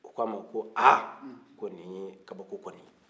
u k'a ma ko aa ko nin ye kabako kɔnin ye